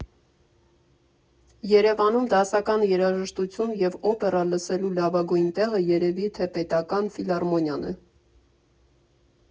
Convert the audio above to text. Երևանում դասական երաժշտություն և օպերա լսելու լավագույն տեղը երևի թե Պետական ֆիլհարմոնիան է։